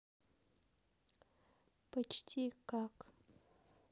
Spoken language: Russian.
почти как